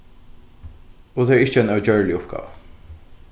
og tað er ikki ein ógjørlig uppgáva